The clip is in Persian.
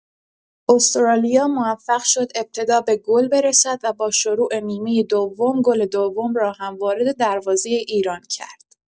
استرالیا موفق شد ابتدا به گل برسد و با شروع نیمه دوم گل دوم را هم وارد دروازه ایران کرد.